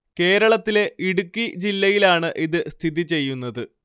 കേരളത്തിലെ ഇടുക്കി ജില്ലയിലാണ് ഇത് സ്ഥിതി ചെയ്യുന്നത്